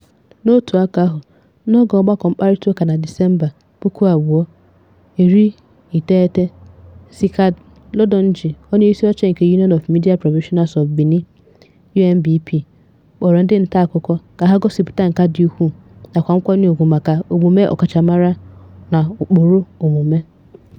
N'otu aka ahụ, n'oge ọgbakọ mkparịtaụka na Disemba 2019, Zakiath Latondji , onyeisi oche nke Union of Media Professionals of Benin (UPMB), kpọrọ ndị ntaakụkọ ka ha gosịpụta nkà dị ukwuu nakwa nkwanye ùgwù maka omume ọkachamara na ụkpụrụ omume.